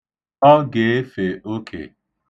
Ọ ga-efe oke.